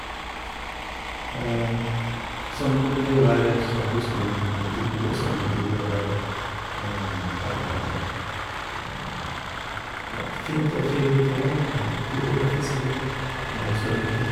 p Som det pleier å være, så husker man de gode somrene, det gode været, der vi hadde, ja, et fint ferieterreng, fjord å fiske i og svømme i.